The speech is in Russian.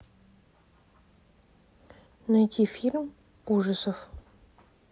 найти фильм ужасов